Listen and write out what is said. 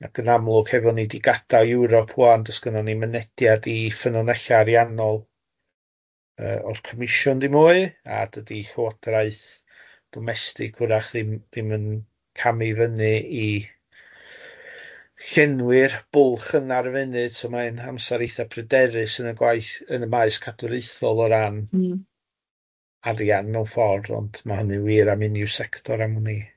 Ac yn amlwg, hefo ni di gadael Ewrop ŵan, do's gynnon ni mynediad i ffynonellau ariannol yy o'r Comisiwn ddim mwy, a dydy Llywodraeth Domestig wrach ddim ddim yn camu fyny i llenwi'r bwlch yna ar y funud, so mae'n amser eitha pryderus yn y gwaith yn y maes cadwraethol o ran... M-hm. ...arian mewn ffordd, ond ma' hynny'n wir am un i'w sector am wn i.